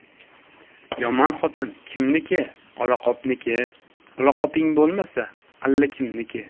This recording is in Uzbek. yomon xotin kimniki olaqopniki olaqoping bo'lmasa allakimniki